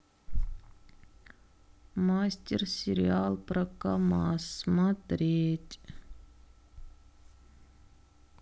мастер сериал про камаз смотреть